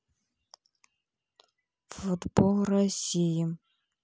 футбол россии